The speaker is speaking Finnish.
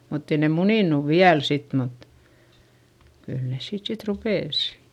mutta ei ne muninut vielä sitten mutta kyllä ne siitä sitten rupesi